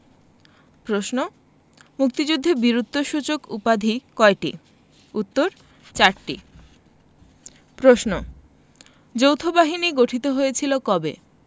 প্রশ্ন মুক্তিযুদ্ধে বীরত্বসূচক উপাধি কয়টি উত্তর চারটি প্রশ্ন যৌথবাহিনী গঠিত হয়েছিল কবে